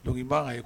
Donc i man ka ye